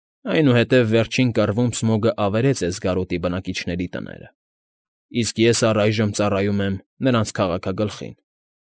Այնուհետև, վերջին կռվում Սմոգն ավերեց Էսգարոտի բնակիչների տները, իսկ ես առայժմ ծառայում եմ նրանց քաղաքագլխին։